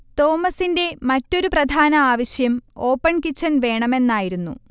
തോമസിന്റെ മറ്റൊരു പ്രധാന ആവശ്യം ഓപ്പൺ കിച്ചൺ വേണമെന്നായിരുന്നു